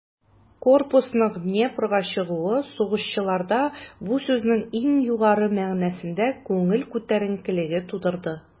Корпусның Днепрга чыгуы сугышчыларда бу сүзнең иң югары мәгънәсендә күңел күтәренкелеге тудырды.